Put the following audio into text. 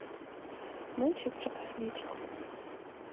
мультик про косметику